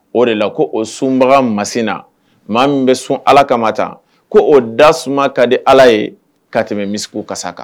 O de la ko o sunbaga masi na maa min bɛ sun ala kama tan ko o da suma ka di ala ye ka tɛmɛ misi ka a kan